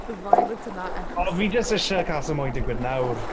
The violence of that epis-... O fi jyst isie i Casa Amor digwydd nawr!